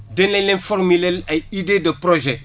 danañ leen formuler leen ay idées de projet